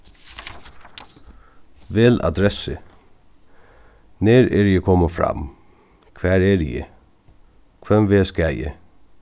vel adressu nær eri eg komin fram hvar eri eg hvønn veg skal eg